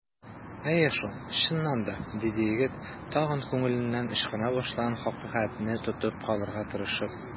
Әйе шул, чыннан да! - диде егет, тагын күңеленнән ычкына башлаган хакыйкатьне тотып калырга тырышып.